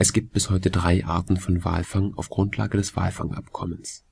gibt bis heute drei Arten von Walfang auf Grundlage des Walfangabkommens